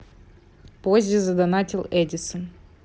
поззи задонатил эдисон